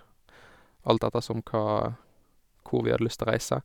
Alt ettersom hva hvor vi hadde lyst å reise.